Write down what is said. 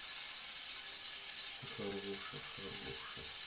ты хорошая хорошая